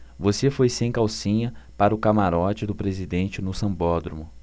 você foi sem calcinha para o camarote do presidente no sambódromo